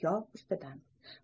yo ustidan